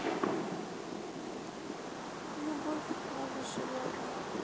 любовь на выживание